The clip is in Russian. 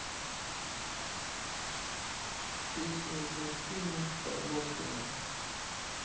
песня из мультфильма барбоскины